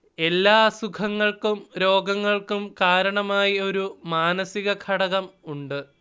എല്ലാ അസുഖങ്ങൾക്കും രോഗങ്ങൾക്കും കാരണമായി ഒരു മാനസികഘടകം ഉണ്ട്